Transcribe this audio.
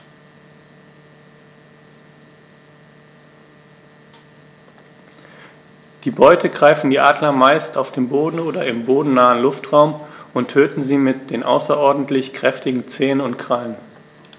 Die Beute greifen die Adler meist auf dem Boden oder im bodennahen Luftraum und töten sie mit den außerordentlich kräftigen Zehen und Krallen.